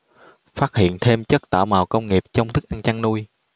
phát hiện thêm chất tạo màu công nghiệp trong thức ăn chăn nuôi